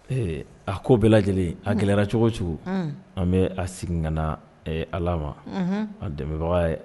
Ee a ko bɛɛ lajɛlen a gɛlɛya cogo o cogo an bɛ a sigi kana na allah ma a, dɛmɛbaga ye